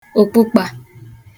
ụ̀kpụkpā